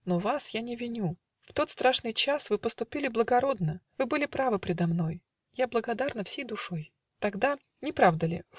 Но вас Я не виню: в тот страшный час Вы поступили благородно, Вы были правы предо мной: Я благодарна всей душой. Тогда - не правда ли?